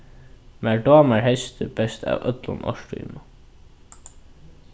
mær dámar heystið best av øllum árstíðunum